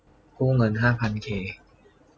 กู้เงินห้าพันเค